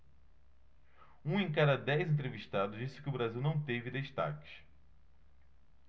um em cada dez entrevistados disse que o brasil não teve destaques